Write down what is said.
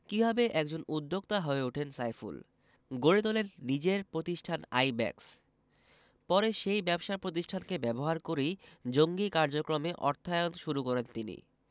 কীভাবে একজন উদ্যোক্তা হয়ে ওঠেন সাইফুল গড়ে তোলেন নিজের প্রতিষ্ঠান আইব্যাকস পরে সেই ব্যবসা প্রতিষ্ঠানকে ব্যবহার করেই জঙ্গি কার্যক্রমে অর্থায়ন শুরু করেন তিনি